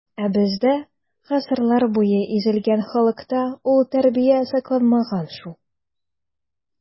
Ә бездә, гасырлар буе изелгән халыкта, ул тәрбия сакланмаган шул.